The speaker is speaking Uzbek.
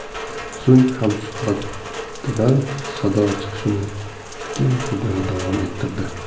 so'ng hamsuhbatidan sado chiqishini kutmay so'zini davom ettirdi